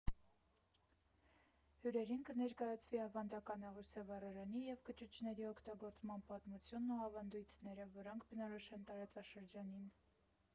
Հյուրերին կներկայացվի ավանդական աղյուսե վառարանի և կճուճների օգտագործման պատմությունն ու ավանդույթները, որոնք բնորոշ են տարածաշրջանին։